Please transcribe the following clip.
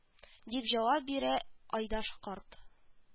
Дип җавап бирә айдаш карт